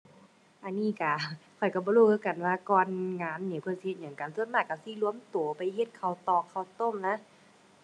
อันนี้ก็ ข้อยก็บ่รู้คือกันว่าก่อนงานนี่เพิ่นสิเฮ็ดหยังกัน ส่วนมากก็สิรวมก็ไปเฮ็ดข้าวตอกข้าวต้มนะ